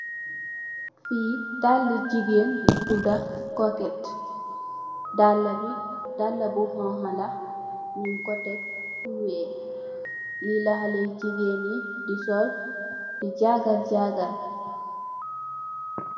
Fi dale jigeen bu todah koket, dala bi dala bu xongo la nuko teh fo weex li la xale jigeen di sol di jar gar jargar.